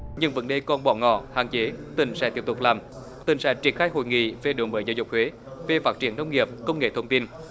những vấn đề còn bỏ ngỏ hạn chế tỉnh sẽ tiếp tục làm tỉnh sẽ triển khai hội nghị về đổi mới giáo dục huế về phát triển nông nghiệp công nghệ thông tin